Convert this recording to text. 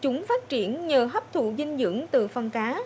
chúng phát triển nhờ hấp thụ dinh dưỡng từ phân cá